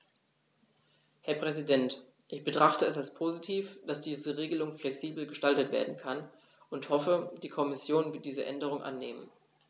Herr Präsident, ich betrachte es als positiv, dass diese Regelung flexibel gestaltet werden kann und hoffe, die Kommission wird diese Änderung annehmen.